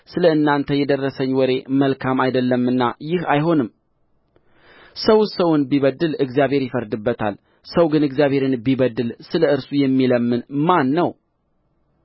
ስለ እናንተ የደረሰኝ ወሬ መልካም አይደለምና ይህ አይሆንም ሰውስ ሰውን ቢበድል እግዚአብሔር ይፈርድበታል ሰው ግን እግዚአብሔርን ቢበድል ስለ እርሱ የሚለምን ማን ነው